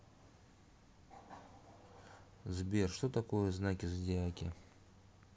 сбер что такое знаки зодиаки